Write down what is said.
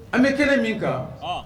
An bɛ kɛnɛ min kan